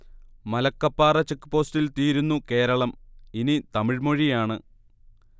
മലക്കപ്പാറ ചെക്പോസ്റ്റിൽ തീരുന്നു, കേരളം ഇനി തമിഴ്മൊഴിയാണ്